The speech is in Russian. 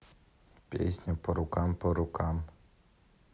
песня по рукам по рукам